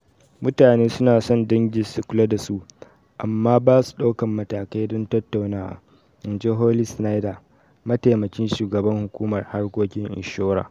"Mutane su na son dangi su kula da su, amma ba su daukan matakai don tattaunawa," in ji Holly Snyder, Mataimakin Shugaban Hukumar Harkokin inshura.